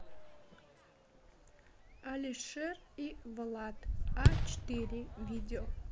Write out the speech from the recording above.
алишер и влад а четыре видео